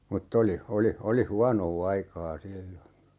mutta oli oli oli huonoa aikaa silloin